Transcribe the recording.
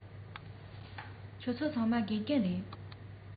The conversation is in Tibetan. ཁྱེད ཚོ ཚང མ དགེ རྒན རེད